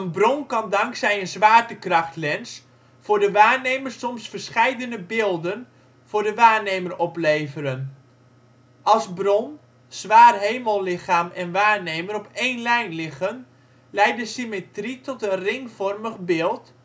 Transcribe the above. bron kan dankzij een zwaartekrachtlens voor de waarnemer soms verscheidene beelden voor de waarnemer opleveren. Als bron, zwaar hemellichaam en waarnemer op een lijn liggen, leidt de symmetrie tot een ringvormig beeld